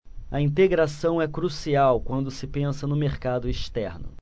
a integração é crucial quando se pensa no mercado externo